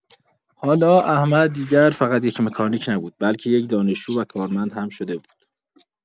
حالا احمد دیگر فقط یک مکانیک نبود، بلکه یک دانشجو و کارمند هم شده بود.